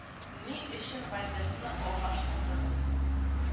Ни өчен Вальдесны алмаштырдыгыз